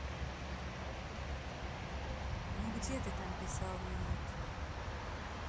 ну где ты там писал минут